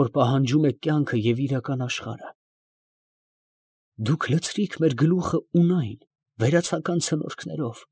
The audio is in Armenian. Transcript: Որ պահանջում է կյանքը և իրական աշխարհը։ Դուք լցրիք մեր գլուխը ունայն, վերացական ցնորքներով։